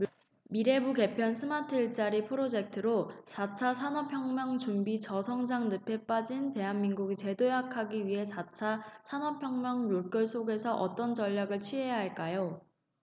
미래부 개편 스마트일자리 프로젝트로 사 차 산업혁명 준비 저성장 늪에 빠진 대한민국이 재도약하기 위해 사 차 산업혁명 물결 속에서 어떤 전략을 취해야 할까요